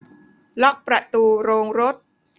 ล็อคประตูโรงรถ